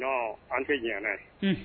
An tɛ ɲɛɛnɛ